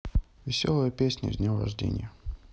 веселая песня с днем рождения